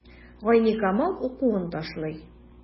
Гайникамал укуын ташлый.